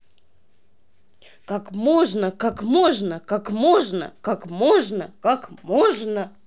как можно как можно как можно как можно как можно